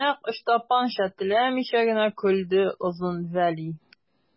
Нәкъ Ычтапанча теләмичә генә көлде Озын Вәли.